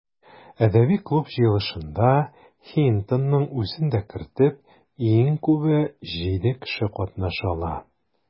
Әдәби клуб җыелышында, Хинтонның үзен дә кертеп, иң күбе җиде кеше катнаша ала.